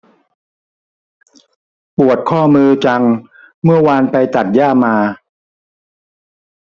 ปวดข้อมือจังเมื่อวานไปตัดหญ้ามา